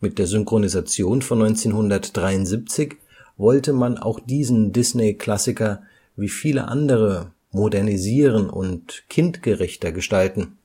Mit der Synchronisation von 1973 wollte man auch diesen Disney-Klassiker wie viele andere „ modernisieren “und „ kindgerechter “gestalten